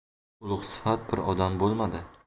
ulug'sifat bir odam bo'lmadi